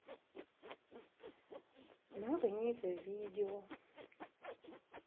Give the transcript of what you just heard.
магниты видео